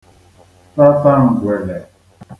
tataǹgwèlè